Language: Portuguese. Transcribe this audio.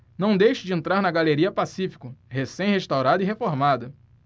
não deixe de entrar na galeria pacífico recém restaurada e reformada